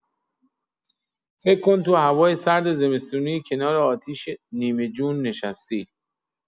فکر کن تو هوای سرد زمستونی کنار آتیش نیمه جون نشستی.